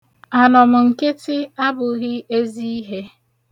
Anọmnkịtị abụghị ezi ihe.